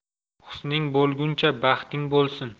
husning bo'lguncha baxting bo'lsin